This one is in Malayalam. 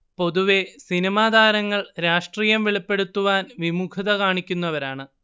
പൊതുവെ സിനിമാതാരങ്ങൾ രാഷ്ട്രീയം വെളിപ്പെടുത്തുവാൻ വിമുഖത കാണിക്കുന്നവരാണ്